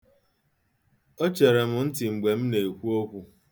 O chere m ntị mgbe m na-ekwu okwu.